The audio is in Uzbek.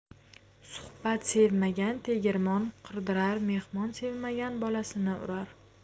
suhbat sevmagan tegirmon qurdirar mehmon sevmagan bolasini urar